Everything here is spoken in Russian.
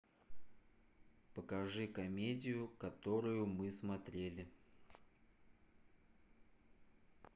покажи комедию которую мы смотрели